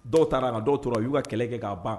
Dɔw taara ka dɔw tora y'u ka kɛlɛ kɛ k'a ban